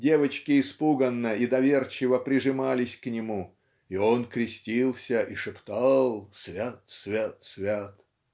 девочки испуганно и доверчиво прижимались к нему и он крестился и шептал "свят, свят, свят".